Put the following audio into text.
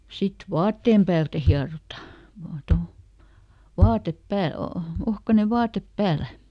sitten vaatteen päältä hierotaan vain tuolla vaatteen päällä on ohkainen vaate päällä